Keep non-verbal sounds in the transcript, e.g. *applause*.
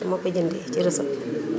fi ma ko jëndee *crosstalk* ci réseau bi